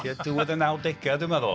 Tua diwedd y nawdegau, dwi'n meddwl.